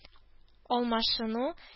Алмашыну